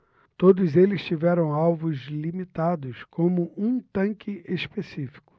todos eles tiveram alvos limitados como um tanque específico